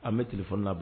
An bɛ tilefana'